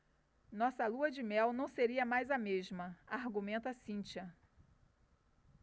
nossa lua-de-mel não seria mais a mesma argumenta cíntia